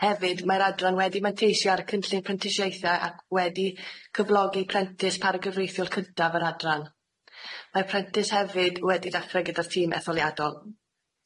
Hefyd mae'r adran wedi manteisio ar y cynllun prentisiaethe ac wedi cyflogi prentis para gyfreithiol cyntaf yr adran. Mae'r prentis hefyd wedi ddechre gyda'r tîm etholiadol.